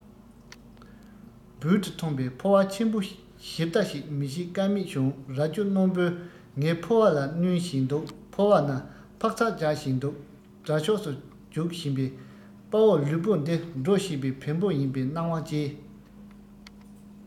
འབུར དུ ཐོན པའི ཕོ བ ཆེན པོ ཞིབ ལྟ ཞིག མི བྱེད ཀ མེད བྱུང རྭ ཅོ རྣོན པོས ངའི ཕོ བ ལ བསྣུན བཞིན འདུག ཕོ བ ན འཕག འཚག རྒྱག བཞིན འདུག དགྲ ཕྱོགས སུ རྒྱུག བཞིན པའི དཔའ བོ ལུས པོ འདི འགྲོ ཤེས པའི བེམ པོ ཡིན པའི སྣང བ སྐྱེས